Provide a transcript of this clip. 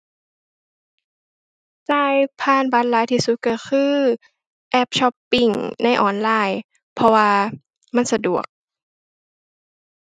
จ่ายผ่านบัตรหลายที่สุดก็คือ แอปช็อปปิงในออนไลน์เพราะว่ามันสะดวก